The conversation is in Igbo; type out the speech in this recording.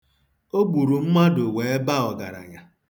O gburu mmadụ wee ba ọgaranya.